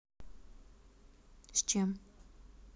с чем